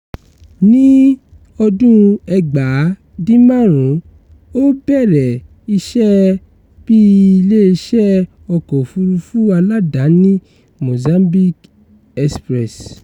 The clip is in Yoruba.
Ní 1995, ó bẹ̀rẹ̀ iṣẹ́ bíi ilé-iṣẹ́ ọkọ̀ òfuurufú aládàáni , Mozambique Express.